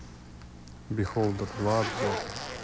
бехолдер два обзор